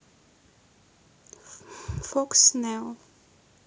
фокс нео